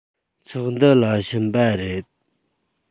ཚོགས འདུ ལ ཕྱིན པ རེད